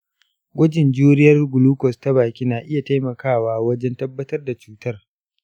gwajin juriyar glucose ta baki na iya taimakawa wajen tabbatar da cutar.